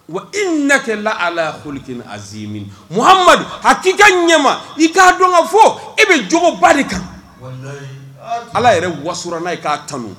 Wa i natɛla alali ai minɛ a k'i ka ɲɛma i k'a dɔn fɔ e bɛ jaba de kan ala yɛrɛ waso n'a ye k'a tan